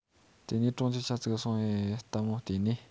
དེ ནས གྲོང ཁྱེར ཆ ཚིག ག སོང ངས ལྟད མོ བལྟས ནིས